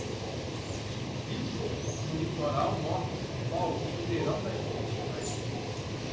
vive-se no litoral norte de são paulo o verão das sucursais